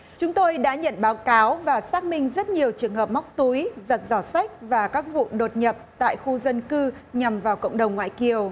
chúng tôi đã nhận báo cáo và xác minh rất nhiều trường hợp móc túi giật giỏ xách và các vụ đột nhập tại khu dân cư nhằm vào cộng đồng ngoại kiều